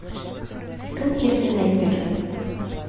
Кем киресен әйтер?